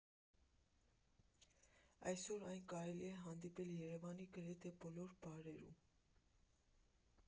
Այսօր այն կարելի է հանդիպել Երևանի գրեթե բոլոր բարերում։